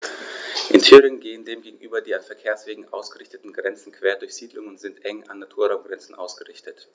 In Thüringen gehen dem gegenüber die an Verkehrswegen ausgerichteten Grenzen quer durch Siedlungen und sind eng an Naturraumgrenzen ausgerichtet.